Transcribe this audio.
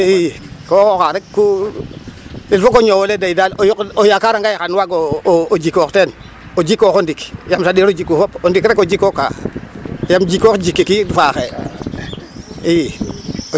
II koo xooxa rek ku il faut que o ñoow ole doy daal o yoqiɗ o yakaranga yee xan waag o o jikoox teen o jikoox o ndik yaam saɗiro jiku fop a ndik rek o jikooxka yaam jikoox jikik it faaxee ii.